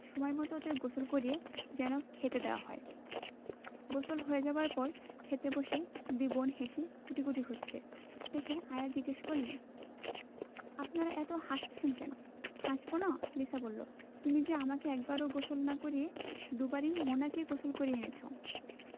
সময়মত ওদের গোসল করিয়ে যেন খেতে দেওয়া হয় গোসল হয়ে যাবার পর খেতে বসে দুই বোন হেসে কুটিকুটি হচ্ছে দেখে আয়া জিজ্ঞেস করলেন আপনেরা অত হাসতাসেন ক্যান হাসবোনা লিসা বললো তুমি যে আমাকে একবারও গোসল না করিয়ে দুবারই মোনাকে গোসল করিয়ে এনেছো